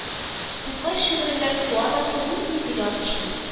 Тукай шигырендә Су анасы нинди зыян эшли